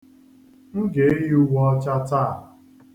M ga-eyi uwe ọcha taa.